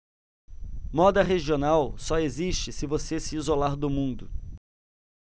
moda regional só existe se você se isolar do mundo